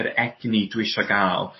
yr egni dwisio ga'l